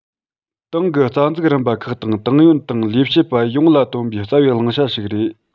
ཏང གི རྩ འཛུགས རིམ པ ཁག དང ཏང ཡོན དང ལས བྱེད པ ཡོངས ལ བཏོན པའི རྩ བའི བླང བྱ ཞིག རེད